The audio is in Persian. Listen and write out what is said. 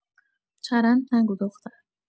چرند نگو دختر